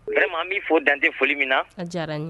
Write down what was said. Vraiment an b'i fɔ' dantɛ foli min na diyara n ye.